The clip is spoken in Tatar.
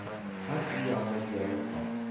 Һәр өй янында диярлек арт